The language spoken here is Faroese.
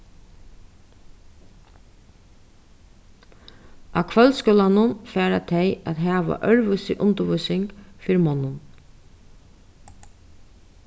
á kvøldskúlanum fara tey at hava øðrvísi undirvísing fyri monnum